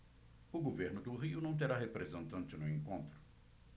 o governo do rio não terá representante no encontro